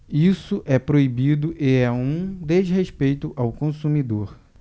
isso é proibido e é um desrespeito ao consumidor